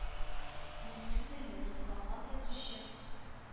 Мин түгелме дуска хат язучы,